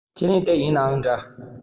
ཁས ལེན དེ ཡིན ནའང འདྲ